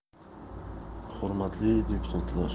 hurmatli deputatlar